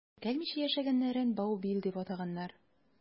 Ә теркәлмичә яшәгәннәрен «баубил» дип атаганнар.